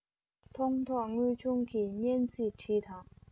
མཐོང ཐོས དངོས བྱུང གི སྙན ཚིག བྲིས དང